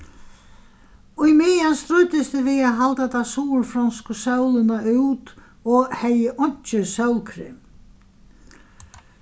ímeðan stríddist eg við at halda ta suðurfronsku sólina út og hevði einki sólkrem